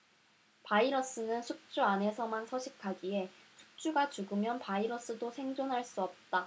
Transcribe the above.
바이러스는 숙주 안에서만 서식하기에 숙주가 죽으면 바이러스도 생존할 수 없다